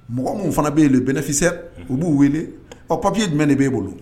Mɔgɔ minnu fana bɛ yen beneficiaires olu y'u weele ɔ papier jumɛn de b'e bolo?